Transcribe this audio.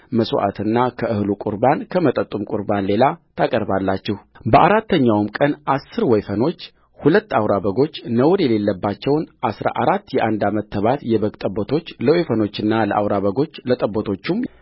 መሥዋዕትና ከእህሉ ቍርባን ከመጠጡም ቍርባን ሌላ ታቀርባላችሁበአራተኛውም ቀን አሥር ወይፈኖች ሁለት አውራ በጎች ነውር የሌለባቸውን አሥራ አራት የአንድ ዓመት ተባት የበግ ጠቦቶችለወይፈኖቹና ለአውራ በጎቹ ለጠቦቶቹም